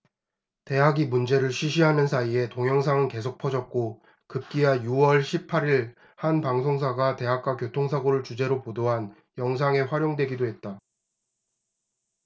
대학이 문제를 쉬쉬하는 사이에 동영상은 계속 퍼졌고 급기야 유 월 십 팔 일 한 방송사가 대학가 교통사고를 주제로 보도한 영상에 활용되기도 했다